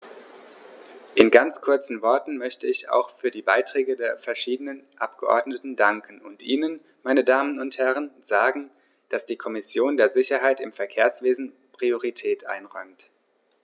In ganz kurzen Worten möchte ich auch für die Beiträge der verschiedenen Abgeordneten danken und Ihnen, meine Damen und Herren, sagen, dass die Kommission der Sicherheit im Verkehrswesen Priorität einräumt.